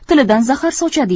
tilidan zahar sochadi